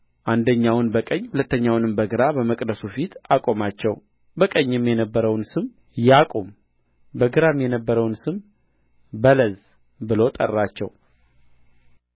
አንደኛውን በቀኝ ሁለተኛውን በግራ በመቅደሱ ፊት አቆማቸው በቀኝም የነበረውን ስም ያቁም በግራም የነበረውን ስም በለዝ ብሎ ጠራቸው